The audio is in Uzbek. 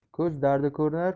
ko'z dardi ko'rinar